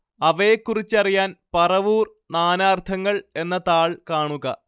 അവയെക്കുറിച്ചറിയാൻ പറവൂർ നാനാർത്ഥങ്ങൾ എന്ന താൾ കാണുക